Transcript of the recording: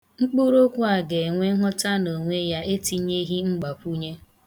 Mkpụrụokwu a ga-enwe nghọta n'onwe ya etinyeghi mgbakwunye.